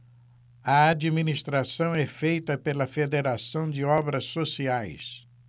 a administração é feita pela fos federação de obras sociais